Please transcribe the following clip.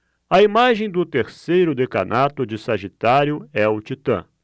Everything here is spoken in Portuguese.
a imagem do terceiro decanato de sagitário é o titã